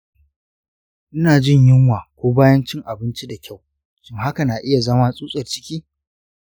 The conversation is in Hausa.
ina jin yunwa ko bayan cin abinci da kyau, shin haka na iya zama tsutsar-ciki?